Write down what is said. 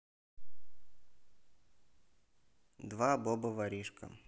два боба воришка